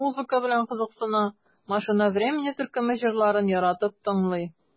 Музыка белән кызыксына, "Машина времени" төркеме җырларын яратып тыңлый.